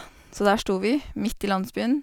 Så der sto vi, midt i landsbyen.